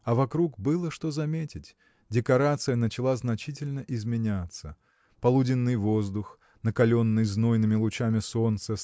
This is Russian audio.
А вокруг было что заметить: декорация начала значительно изменяться. Полуденный воздух накаленный знойными лучами солнца